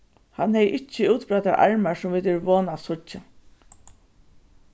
hann hevði ikki útbreiddar armar sum vit eru von at síggja